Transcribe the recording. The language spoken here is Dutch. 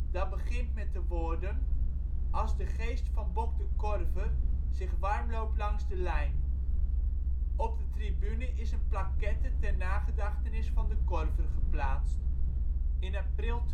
dat begint met de woorden Als de geest van Bok de Korver zich warmloopt langs de lijn. Op de tribune is een plaquette ter nagedachtenis aan De Korver geplaatst. In april